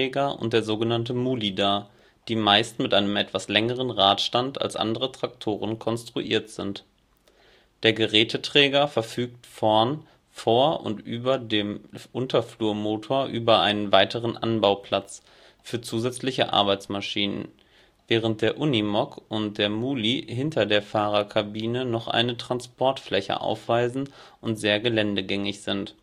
Geräteträger und der so genannte Muli dar, die meist mit einem etwas längeren Radstand als andere Traktoren konstruiert sind. Der Geräteträger verfügt vorn vor oder über dem Unterflurmotor über einen weiteren Anbauplatz für zusätzliche Arbeitsmaschinen (alternativ eine Ladepritsche), während der Unimog und der Muli hinter der Fahrerkabine noch eine Transportfläche aufweisen und sehr geländegängig sind